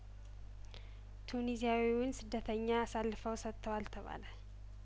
ቱኒዚያዊውን ስደተኛ አሳልፈው ሰጥተዋል ተባለ